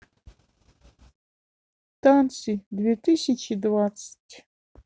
танцы две тысячи двадцать